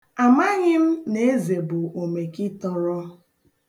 Amaghị m na Eze bụ omekịtọrọ.